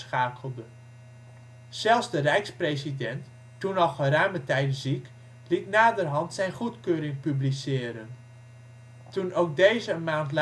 Zelfs de rijkspresident, toen al geruime tijd ziek, liet naderhand zijn goedkeuring publiceren. Toen ook deze een maand later